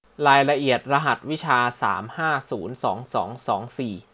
รายละเอียดรหัสวิชาสามห้าศูนย์สองสองสองสี่